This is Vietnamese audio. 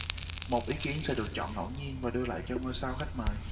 một ý kiến sẽ được chọn ngẫu nhiên và đưa lại cho ngôi sao khách mời